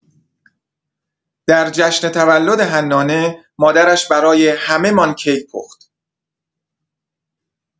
در جشن تولد حنانه، مادرش برای همه‌مان کیک پخت.